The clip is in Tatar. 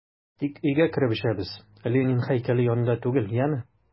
Тик өйгә кереп эчәбез, Ленин һәйкәле янында түгел, яме!